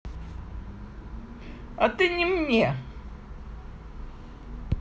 а ты не мне